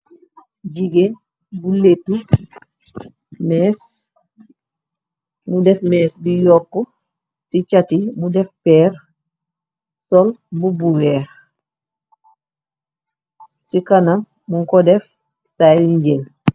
Jigéen bu leetu, mees, mu def méés bi yooku, si chat yi mu def per, sol mbuba bu weex, si kanam mung ko def istaayil...